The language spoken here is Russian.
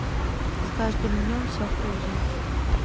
с каждым днем все хуже